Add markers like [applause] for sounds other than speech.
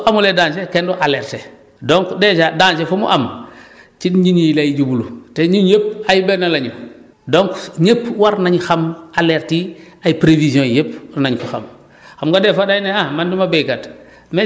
su amulee danger kenn du alerter donc dèjà fa mu am [breath] ci nit ñi lay jublu te nit yëpp ay benn lañu donc ñëpp war nañ xam alerte yi [breath] ay prévisions yëpp war nañ ko xam [breath]